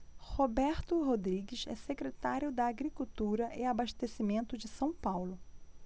roberto rodrigues é secretário da agricultura e abastecimento de são paulo